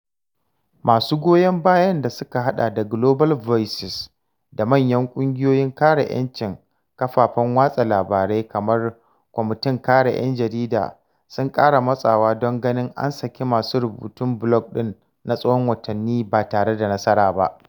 Masu goyon baya da suka haɗa da Global Voices da manyan ƙungiyoyin kare 'yancin kafafen watsa labarai kamar Kwamitin Kare ‘Yan Jarida sun ƙara matsawa don ganin an saki masu rubutun blog ɗin na tsawon watanni, ba tare da nasara ba.